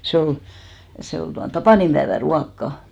se oli se oli tuon tapaninpäivän ruokaa